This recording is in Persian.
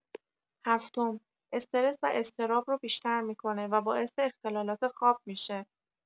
هفتم، استرس و اضطراب رو بیشتر می‌کنه و باعث اختلالات خواب می‌شه.